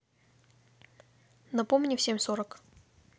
напомни в семь сорок